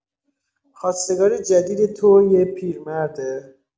خواستگار جدید تو یه پیرمرده؟